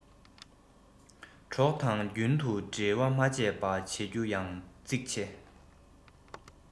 གྲོགས དང རྒྱུན དུ འབྲེལ བ མ ཆད པ བྱེད རྒྱུ ཡང གཙིགས ཆེ